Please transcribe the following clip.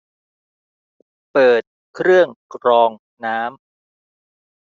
เปิดเครื่องกรองน้ำ